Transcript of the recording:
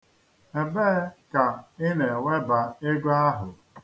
Ebee ka ị na-eweba ego ahụ?